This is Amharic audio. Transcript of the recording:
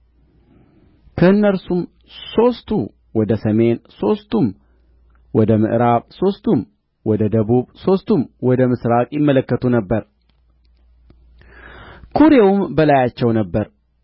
ከእነርሱም ሦስቱ ወደ ሰሜን ሦስቱም ወደ ምዕራብ ሦስቱም ወደ ደቡብ ሦስቱም ወደ ምሥራቅ ይመለከቱ ነበር ኵሬውም በላያቸው ነበረ